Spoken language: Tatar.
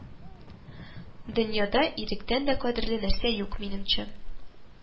Дөньяда иректән дә кадерле нәрсә юк, минемчә